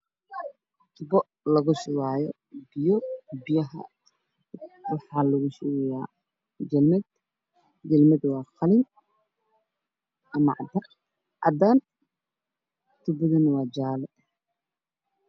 Waxa ay muuqda biyo ka socdaan waxaa kaloo ii muuqda dhar kaas yahay jaale guduud